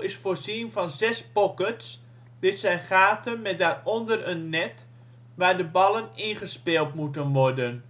is voorzien van zes pockets, dit zijn gaten met daaronder een net waar de ballen in gespeeld moeten worden,